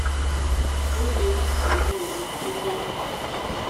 Ó le láti rí omi tó mọ́.